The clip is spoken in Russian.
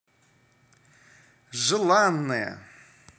желанная